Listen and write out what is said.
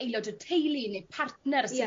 aelod o teulu neu partner sy... Ie.